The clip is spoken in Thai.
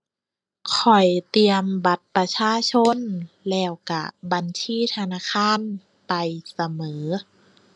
ข้อยเตรียมบัตรประชาชนแล้วก็บัญชีธนาคารไปเสมอ